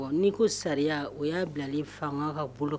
N'i ko sariya o y'a bila fanga ka bolo kɔnɔ